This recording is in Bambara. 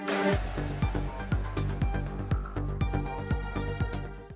San